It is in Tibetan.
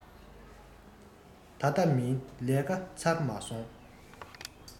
ད ལྟ མིན ལས ཀ ཚར མ སོང